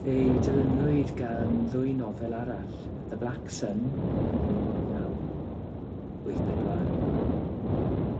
Fe'i dilynwyd gan ddwy nofel arall, The Black Sun yn un naw wyth pedwar